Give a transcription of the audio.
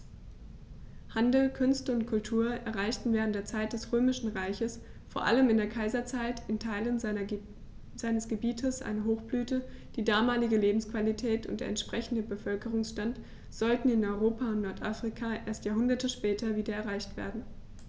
Handel, Künste und Kultur erreichten während der Zeit des Römischen Reiches, vor allem in der Kaiserzeit, in Teilen seines Gebietes eine Hochblüte, die damalige Lebensqualität und der entsprechende Bevölkerungsstand sollten in Europa und Nordafrika erst Jahrhunderte später wieder erreicht werden.